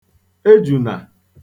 ejùnà